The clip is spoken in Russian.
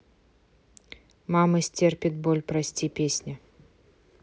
мама стерпит боль прости песня